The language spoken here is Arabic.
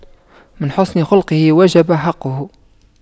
من حسن خُلقُه وجب حقُّه